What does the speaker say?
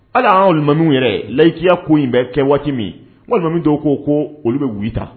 Hali an' alimamiw yɛrɛ layitiya ko in bɛɛ kɛ waati min nko alimami dɔw ko koo olu bɛ oui ta